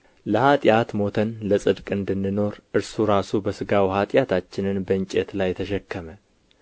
ለኃጢአት ሞተን ለጽድቅ እንድንኖር እርሱ ራሱ በሥጋው ኃጢአታችንን በእንጨት ላይ ተሸከመ